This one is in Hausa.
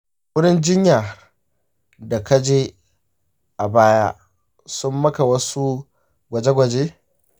shin wurin jinyar da ka je a baya sun maka wasu gwaje gwaje?